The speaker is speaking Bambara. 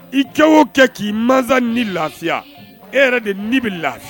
I kɛ o kɛ k'i ma ni lafiya e yɛrɛ de' bɛ lafiya